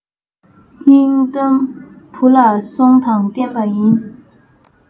སྙིང གཏམ བུ ལ གསོང དང བརྟན པ ཡིན